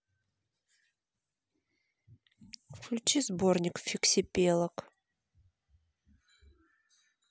включи сборник фиксипелок